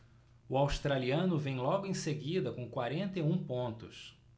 o australiano vem logo em seguida com quarenta e um pontos